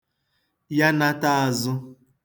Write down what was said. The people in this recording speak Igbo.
yanata āzụ̄